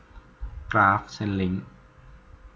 กราฟเชนลิ้ง